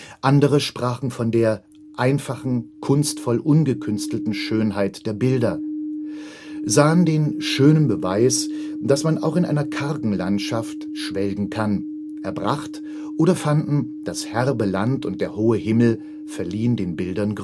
Andere sprachen von der „ einfachen, kunstvoll-ungekünstelten Schönheit der Bilder “, sahen den „ schöne [n] Beweis, dass man auch in einer kargen Landschaft schwelgen kann “, erbracht, oder fanden, „ das herbe Land und der hohe Himmel “verliehen den Bildern